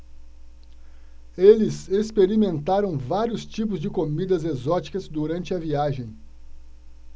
eles experimentaram vários tipos de comidas exóticas durante a viagem